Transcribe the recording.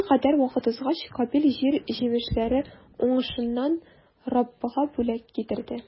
Берникадәр вакыт узгач, Кабил җир җимешләре уңышыннан Раббыга бүләк китерде.